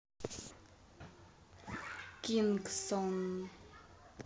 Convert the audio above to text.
кингсон